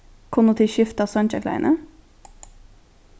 kunnu tit skifta seingjarklæðini